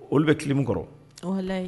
Olu bɛ clime kɔrɔ . Walaye